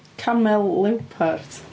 Camel-Lewpart?